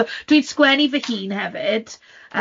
So dwi'n sgwennu fy hun hefyd.